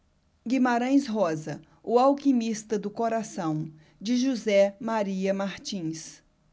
guimarães rosa o alquimista do coração de josé maria martins